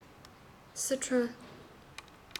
སི ཁྲོན